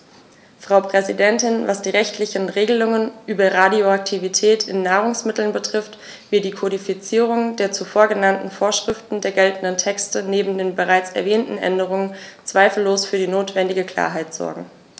Frau Präsidentin, was die rechtlichen Regelungen über Radioaktivität in Nahrungsmitteln betrifft, wird die Kodifizierung der zuvor genannten Vorschriften der geltenden Texte neben den bereits erwähnten Änderungen zweifellos für die notwendige Klarheit sorgen.